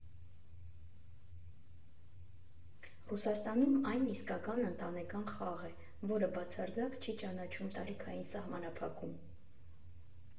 Ռուսաստանում այն իսկական ընտանեկան խաղ է, որը բացարձակ չի ճանաչում տարիքային սահմանափակում։